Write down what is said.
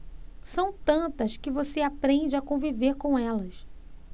são tantas que você aprende a conviver com elas